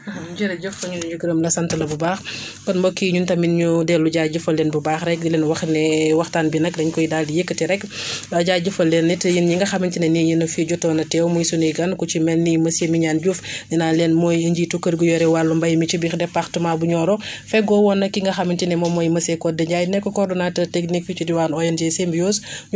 jërëjëf ñun ñu gërëm la sant la bu baax kon mbokk yi ñun tamit ñu dellu jaajëfal leen bu baax rek di leen wax ne waxtaan bi nag dañ koy daal di yëkkati rek jaajëfal leen it yéen ñi nga xamante ne nii yéen a fi jotoon a teew muy sunuy gan ku ci mel ni monsieur Mignane Diouf nee naa leen mooy njiitu kër gi yore wàllu mbéy mi ci biir département bu Nioro fegoo woon ak ki nga xamante ni mooy monsieur Codé Ndiaye nekk coordonnateur technique fii ci diwaan ONG Symbiose